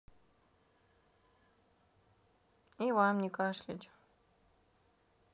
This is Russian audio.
и вам не кашлять